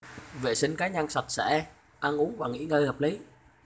vệ sinh cá nhân sạch sẽ ăn uống và nghỉ ngơi hợp lý